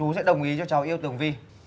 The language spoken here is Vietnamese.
chú sẽ đồng ý cho cháu yêu tường vy